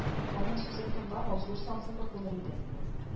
Аның сүзен тыңламау зур сансызлык булыр иде